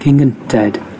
cyn gynted